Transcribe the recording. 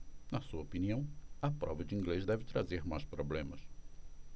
na sua opinião a prova de inglês deve trazer mais problemas